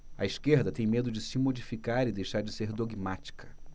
a esquerda tem medo de se modificar e deixar de ser dogmática